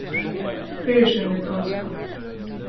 fyrisøgn í donskum